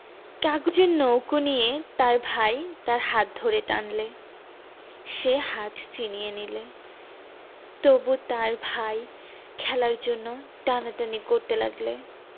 কাগজের নৌকো নিয়ে তার ভাই তার হাত ধরে টানলে সে হাত ছিনিয়ে নিলে তবু তার ভাই খেলার জন্যে টানাটানি করতে লাগলে